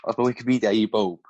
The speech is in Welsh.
os ma Wicipidia i bowb